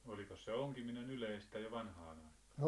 olikos se onkiminen yleistä jo vanhaan aikaan